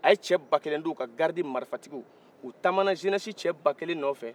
a ye cɛ ba kelen da u kan garidi marifatigiw u taama na zenɛsi cɛ ba kelen nɔ fɛ